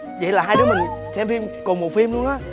vậy là hai đứa mình xem phim cùng một phim luôn á